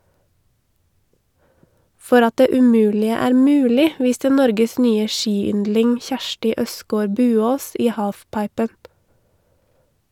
For at det umulige er mulig viste Norges nye skiyndling Kjersti Østgaard Buaas i halfpipen.